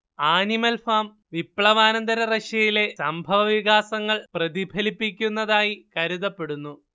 animal Farm വിപ്ലവാനന്തര റഷ്യയിലെ സംഭവവികാസങ്ങൾ പ്രതിഫലിപ്പിക്കുന്നതായി കരുതപ്പെടുന്നു